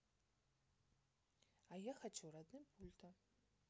а я хочу родным пультом